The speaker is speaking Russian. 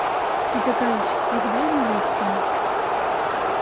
ida galich вызывай милицию